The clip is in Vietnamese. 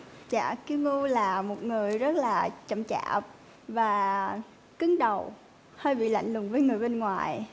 dạ kim ngưu là một người rất là chậm chạp và cứng đầu hay bị lạnh lùng với người bên ngoài